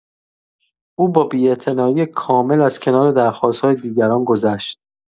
او با بی‌اعتنایی کامل از کنار درخواست‌های دیگران گذشت.